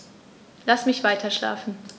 Lass mich weiterschlafen.